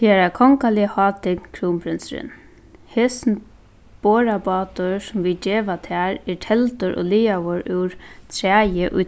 tygara kongaliga hátign krúnprinsurin hesin borðabátur sum vit geva tær er telgdur og laðaður úr træi í